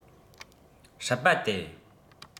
སྲིད པ སྟེ